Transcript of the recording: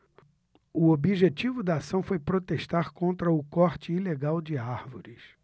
o objetivo da ação foi protestar contra o corte ilegal de árvores